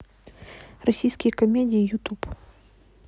российские комедии ютуб